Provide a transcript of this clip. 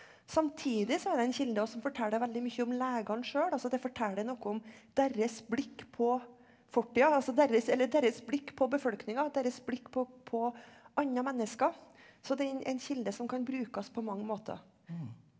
samtidig så er det en kilde òg som forteller veldig mye om legene sjøl, altså det forteller noe om deres blikk på fortida altså deres eller deres blikk på befolkningen deres blikk på på andre mennesker så det er en kilde som kan brukes på mange måter.